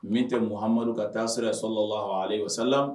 Min tɛ mumadu ka taa sira so la o sala